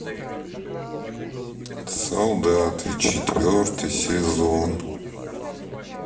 солдаты четвертый сезон